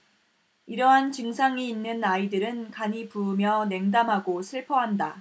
이러한 증상이 있는 아이들은 간이 부으며 냉담하고 슬퍼한다